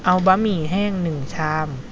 เอาบะหมี่แห้งหนึ่งชาม